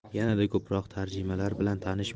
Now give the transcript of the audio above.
yanada ko'proq tarjimalar bilan tanish